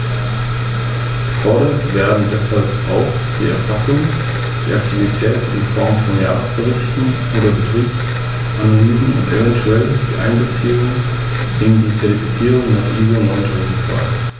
Mit den dazu in einer anderen Richtlinie, verankerten Normen sollten Menschen verantwortungsbewusst über die Beförderung gefährlicher Güter beraten werden können.